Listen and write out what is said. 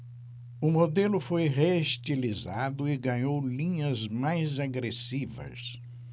o modelo foi reestilizado e ganhou linhas mais agressivas